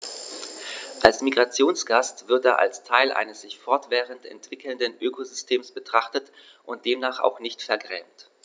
Als Migrationsgast wird er als Teil eines sich fortwährend entwickelnden Ökosystems betrachtet und demnach auch nicht vergrämt.